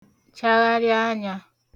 chagharị anyā